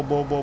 tóli